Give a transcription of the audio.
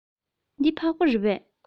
འདི ཕག པ རེད པས